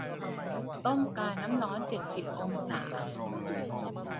ต้มกาน้ำร้อนเจ็ดสิบองศา